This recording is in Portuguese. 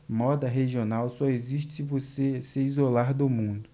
moda regional só existe se você se isolar do mundo